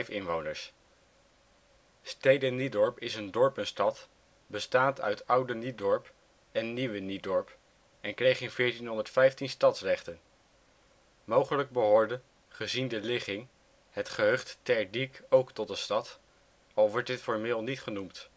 inwoners. Stede Niedorp is een dorpenstad, bestaand uit Oude Niedorp en Nieuwe Niedorp en kreeg in 1415 stadsrechten. Mogelijk behoorde, gezien de ligging, het gehucht Terdiek ook tot de stad, al wordt dit formeel niet genoemd